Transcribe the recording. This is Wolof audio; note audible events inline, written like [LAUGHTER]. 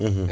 [HESITATION] [HESITATION]